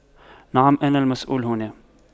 نعم انا المسؤول هنا